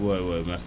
oui oui merci